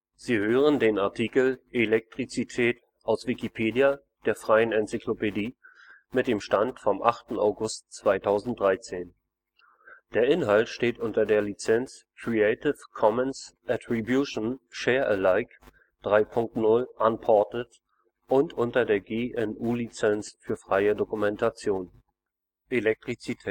Sie hören den Artikel Elektrizität, aus Wikipedia, der freien Enzyklopädie. Mit dem Stand vom Der Inhalt steht unter der Lizenz Creative Commons Attribution Share Alike 3 Punkt 0 Unported und unter der GNU Lizenz für freie Dokumentation. Elektrizität